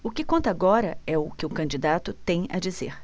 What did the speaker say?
o que conta agora é o que o candidato tem a dizer